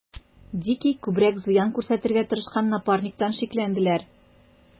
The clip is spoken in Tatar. Дикий күбрәк зыян күрсәтергә тырышкан Напарниктан шикләнделәр.